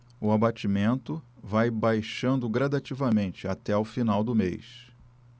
o abatimento vai baixando gradativamente até o final do mês